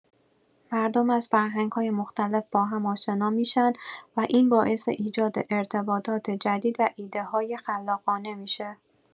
مردم از فرهنگ‌های مختلف با هم آشنا می‌شن و این باعث ایجاد ارتباطات جدید و ایده‌های خلاقانه می‌شه.